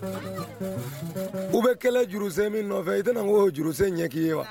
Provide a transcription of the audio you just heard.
U bɛ kɛlɛ jurusen min nɔfɛ i tɛna n koo jurusen ɲɛ' i ye wa